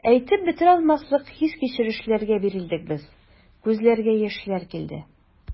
Әйтеп бетерә алмаслык хис-кичерешләргә бирелдек без, күзләргә яшьләр килде.